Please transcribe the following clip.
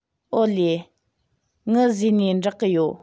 ཨོ ལེ ངི བཟོས ནས འབྲེག གི ཡོད